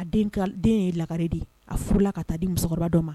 A den ye lagare di a furula ka taa di musokɔrɔba dɔ ma